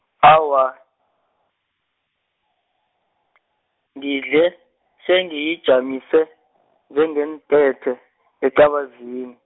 awa , ngidle, sengiyijamise, njengentethe ecabazini.